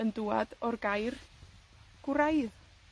yn dwad o'r gair gwraidd.